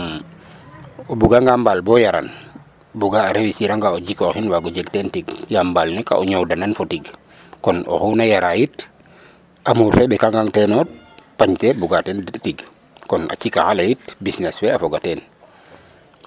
Yaam o bugangaa mbaal bo yaran buga a réussir anga o jikoxin waag o jeg teen tig yaam mbaal ne ko o ñoowdanan fo tig kon oxu na yara yit amour fe ɓekangan teen no pañtee buga teen tig kon a cikax ale it busness fe a foga teen.